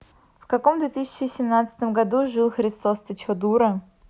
в каком две тысячи семнадцатом году жил христос ты что дура